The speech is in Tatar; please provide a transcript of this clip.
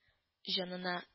Җанына